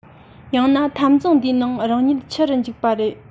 ཡང ན འཐབ འཛིང འདིའི ནང རང ཉིད འཆི རུ འཇུག པ རེད